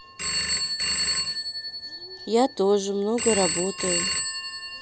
я тоже много работаю